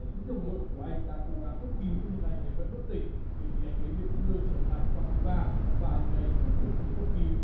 những đồng đội của anh đã cố gắng cấp cứu nhưng anh ấy vẫn bất tỉnh vì thế anh ấy được đưa trở lại quang thứ ba và anh ấy tiếp tục được cấp cứu